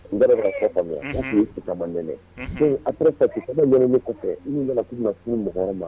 N faamuyata ma nɛnɛ ap pati kɔfɛ i nana' ma furu mɔgɔ ma